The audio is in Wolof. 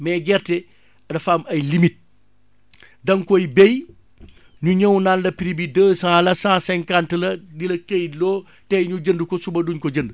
mais gerte dafa am ay limites da nga koy bay ñu ñëw naan la prix bi deux cent la cent cinquante la di la këyitloo tay ñu jënd ko suba duñ ko jënd